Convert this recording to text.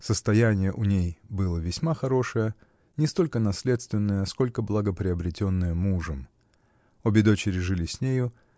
Состояние у ней было весьма хорошее, не столько наследственное, сколько благоприобретенное мужем. Обе дочери жили с нею